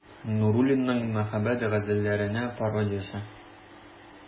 Нуруллинның «Мәхәббәт газәлләренә пародия»се.